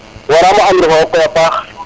waramo andir fo wo koy a paax